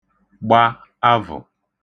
gba avụ̀